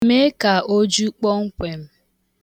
Mee ka o ju kpọm kwem